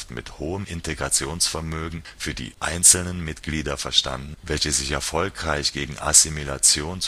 hohem Integrationsvermögen für die einzelnen Mitglieder verstanden, welche sich erfolgreich gegen Assimilation